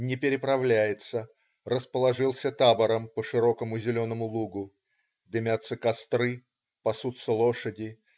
Не переправляется - расположился табором по широкому зеленому лугу. Дымятся костры. Пасутся лошади.